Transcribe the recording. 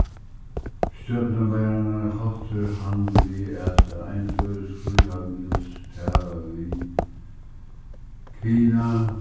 stjórnarleiðararnar hóttir við at hann at ein føroysk við kina